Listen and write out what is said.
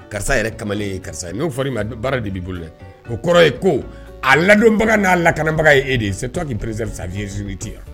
Karisa yɛrɛ kamalen ye karisa ye . No fɔri ma baara de bi bolo. O kɔrɔ ye ko a ladonbaga na lakanabaga ye e de ye . c'est toi qui préserve sa virginité